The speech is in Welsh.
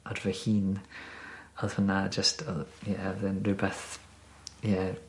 ar fy hun odd hwnna jyst odd o- je odd e'n rwbeth rhywbeth ie